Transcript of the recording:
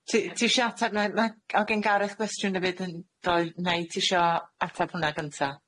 T- ti isio atab na- na- o' gin Gareth gwestiwn efyd yn doedd neu ti isio atab hwnna gynta?